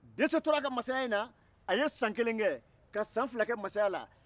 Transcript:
dese tora a ka masaya in na a ye san kelen kɛ ka san fila kɛ masaya la